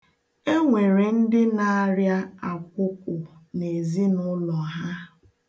E nwere ndị na-arịa akwụkwụ n'ezinụlọ ha.